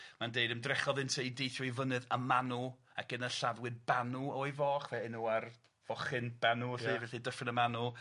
mae'n deud ymdrechodd ynte i deithio i fynydd y Manw ac yna lladdwyd Banw o'i foch, fe- enw ar fochyn Banw felly felly Dyffryn y Manw.